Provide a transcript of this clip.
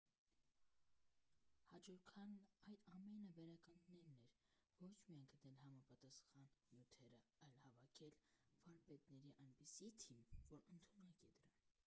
Հաջորդ քայլն այդ ամենը վերականգնելն էր՝ ոչ միայն գտնել համապատասխան նյութերը, այլև հավաքել վարպետների այնպիսի թիմ, որն ընդունակ էր դրան։